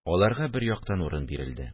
Аларга бер яктан урын бирелде